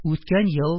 Үткән ел